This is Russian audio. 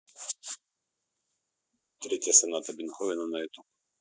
третья соната бетховена на ютуб